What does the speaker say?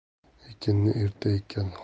ekinni erta ekkan